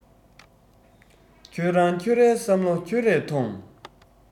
ཁྱོད རང ཁྱོད རའི བསམ བློ ཁྱོད རས ཐོངས